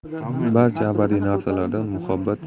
barcha abadiy narsalardan muhabbat